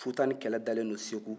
futa ni kɛlɛ dalen don segu